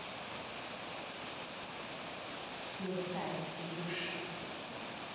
хиллсайдские душители